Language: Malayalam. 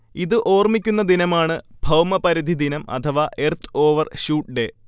ഇത് ഓർമിക്കുന്ന ദിനമാണ് ഭൗമപരിധിദിനം അഥവാ എർത്ത് ഓവർ ഷൂട്ട്ഡേ